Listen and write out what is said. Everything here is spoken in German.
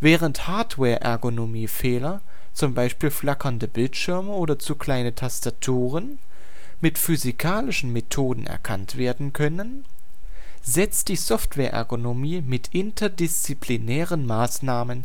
Während Hardware-Ergonomie-Fehler, zum Beispiel flackernde Bildschirme oder zu kleine Tastaturen, mit physikalischen Methoden erkannt werden können, setzt die Software-Ergonomie mit interdisziplinären Methoden